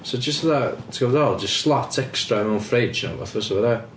So jyst fatha ti'n gwbod be dwi'n feddwl just slot extra mewn fridge neu rywbeth fysa fo de.